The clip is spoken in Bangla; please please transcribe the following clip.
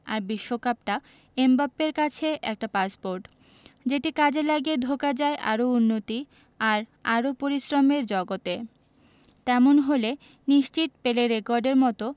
আর বিশ্বকাপটা এমবাপ্পের কাছে একটা পাসপোর্ট যেটি কাজে লাগিয়ে ঢোকা যায় আরও উন্নতি আর আরও পরিশ্রমের জগতে তেমন হলে নিশ্চিত পেলের রেকর্ডের মতো